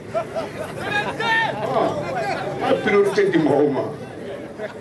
An fili se di mɔgɔw ma